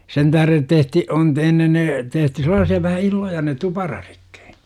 sen tähden tehtiin on - ennen tehty sellaisia vähän illoja ne tuparaditkin